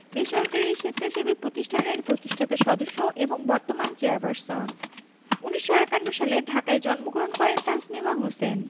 বেসরকারি স্বেচ্ছাসেবী প্রতিষ্ঠানের প্রতিষ্ঠাতা সদস্য এবং বর্তমান চেয়ারপারসন ১৯৫১ সালে ঢাকায় জন্মগ্রহণ করেন তাসমিমা হোসেন